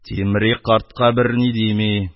Тимри картка берни дими,